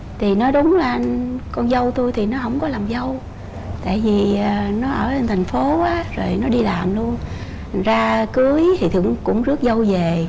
thì nói đúng ra con dâu tui thì nó hổng có làm dâu tại vì nó ở thành phố á rồi nó đi làm luôn thành ra cưới cũng cũng rước dâu về